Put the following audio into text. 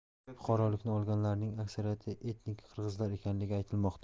fuqarolikni olganlarning aksariyati etnik qirg'izlar ekanligi aytilmoqda